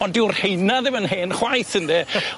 Ond dyw'r rheina ddim yn hen chwaith ynde?